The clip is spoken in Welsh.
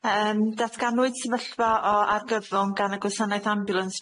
Yym datganwyd sefyllfa o argyfwng gan y gwasanaeth ambiwlans